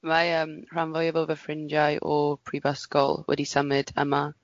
Mae yym rhan fwyaf o fy ffrindiau o prifysgol wedi symud yma.